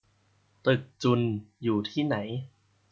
ตึกจุลอยู่ที่ไหน